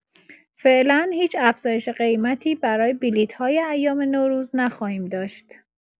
فعلا هیچ افزایش قیمتی برای بلیت‌های ایام نوروز نخواهیم داشت.